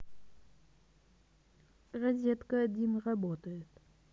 розетка один работает